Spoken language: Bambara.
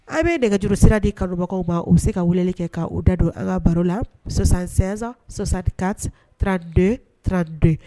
An be nɛgɛjuru sira di kanubagaw ma. U bi se ka weleli kɛ ka u da don an ka baro la 76 64 32 32